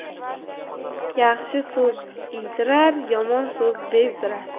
yaxshi so'z iydirar yomon so'z bezdirar